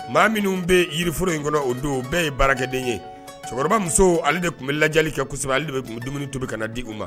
Maa minnu bɛ yiriforo in kɔ o don bɛɛ ye baarakɛden ye cɛkɔrɔba muso ale de tun bɛ lajali kɛsɛbɛ ale de bɛ kun dumuni tun bɛ ka na di ma